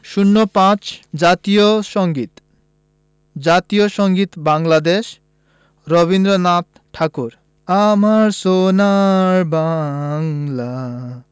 ০৫ জাতীয় সংগীত জাতীয় সংগীত বাংলাদেশ রবীন্দ্রনাথ ঠাকুর আমার সোনার বাংলা